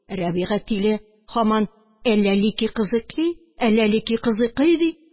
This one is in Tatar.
Рәбига, тиле, һаман: «Әләлики-кызыкый, әләликикызыкый!» – ди.